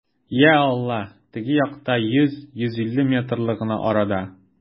Йа Аллаһ, теге якта, йөз, йөз илле метрлы гына арада!